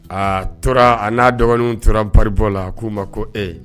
Aa tora a n'a dɔgɔninw tora an paribɔ la k'u ma ko ee